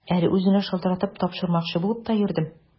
Әле үзенә шалтыратып, тапшырмакчы булып та йөрдем.